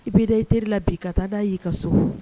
I bɛ da i teriri la bi i ka taa da y' i ka so